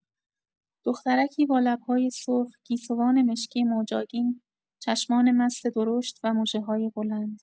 دخترکی با لب‌های سرخ، گیسوان مشکی موج‌آگین، چشمان مست درشت و مژه‌های بلند.